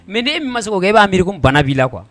Mais ni e min ma se k'o kɛ e b'a miiri ko bana b'i la quoi